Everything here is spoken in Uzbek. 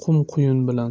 qum quyun bilan